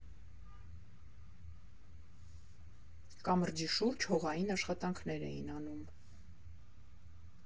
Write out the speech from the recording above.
Կամրջի շուրջ հողային աշխատանքներ էին անում։